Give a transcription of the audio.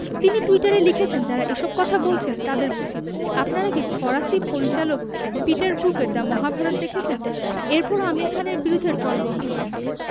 তিনি টুইটারে লিখেছেন যাঁরা এসব কথা বলছেন তাঁদের বলছি আপনারা কি ফরাসি পরিচালক পিটার ব্রুকের দ্য মহাভারত দেখেছেন এরপরও আমির খানের বিরুদ্ধে ট্রল বন্ধ হয়নি